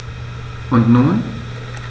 Und nun?